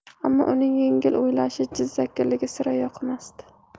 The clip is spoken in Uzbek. ammo uning yengil o'ylashi jizzakiligi sira yoqmasdi